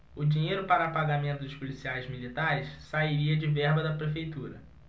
o dinheiro para pagamento dos policiais militares sairia de verba da prefeitura